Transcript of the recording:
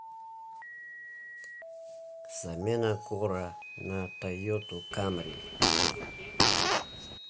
замена гора на тойоту камри